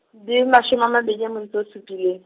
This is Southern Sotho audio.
le mashome a mabedi, a motso supileng.